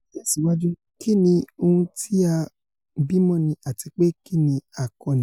Ó tẹ̀síwájú: Kínni ohun tí a bímọ́ni àtipé kínni a kọ́ni?